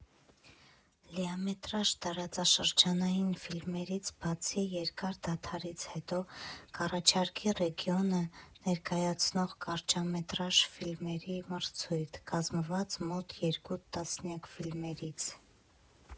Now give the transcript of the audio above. Լիամետրաժ տարածաշրջանային ֆիլմերից բացի, երկար դադարից հետո կառաջարկի ռեգիոնը ներկայացնող կարճամետրաժ ֆիլմերի մրցույթ, կազմված մոտ երկու տասնյակ ֆիլմերից։